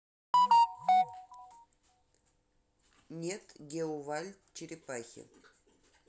нет гео вайлд черепахи